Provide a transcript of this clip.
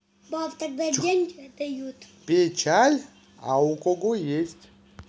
печаль а у кого есть